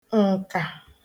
ǹkà